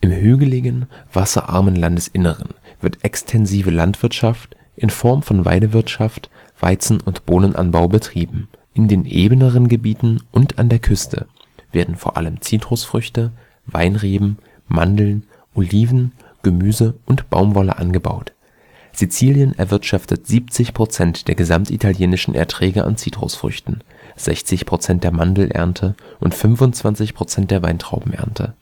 hügeligen, wasserarmen Landesinneren wird extensive Landwirtschaft in Form von Weidewirtschaft, Weizen - und Bohnenanbau betrieben. In den ebeneren Gebieten und an der Küste werden vor allem Zitrusfrüchte, Weinreben, Mandeln, Oliven, Gemüse und Baumwolle angebaut. Sizilien erwirtschaftet 70 % der gesamtitalienischen Erträge an Zitrusfrüchten, 60 % der Mandelernte und 25 % der Weintraubenernte